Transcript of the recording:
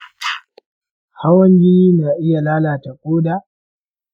hawan jini na iya lalata koda?